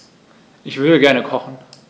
Ich würde gerne kochen.